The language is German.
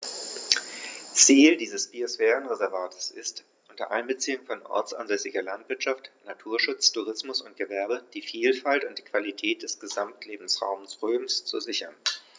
Ziel dieses Biosphärenreservates ist, unter Einbeziehung von ortsansässiger Landwirtschaft, Naturschutz, Tourismus und Gewerbe die Vielfalt und die Qualität des Gesamtlebensraumes Rhön zu sichern.